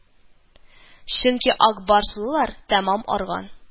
Чөнки Ак Барс лылар тәмам арган